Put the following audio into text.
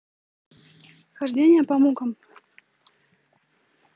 хождение по мукам